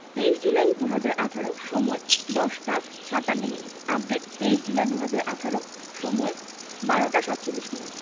২৩ July ২০১৮ সময়ঃ ১০টা ৫৭ minute update ২৩ July ২০১৮ সময় ১২টা ৪৭ মিনিট